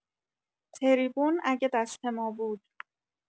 تریبون اگه دست ما بود